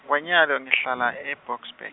kwanyalo ngihlala e- Boksburg.